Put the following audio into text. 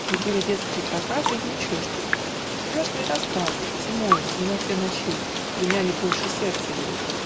И были детские проказы Ей чужды: страшные рассказы Зимою в темноте ночей Пленяли больше сердце ей.